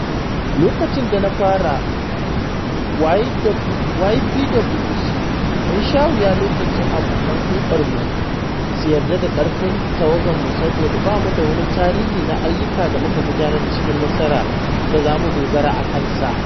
Lokacin da na fara YPWC, mun sha wuya kafin abokan huldarmu su yarda da ƙarfin tawagarmu saboda ba mu da wani tarihi na ayyuka da muka gudanar cikin nasara da za mu dogara a kansa.